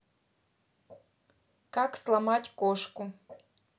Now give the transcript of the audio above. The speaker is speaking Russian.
как сломать кошку